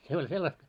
se oli sellaista